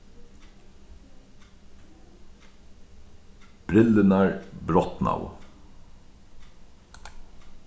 brillurnar brotnaðu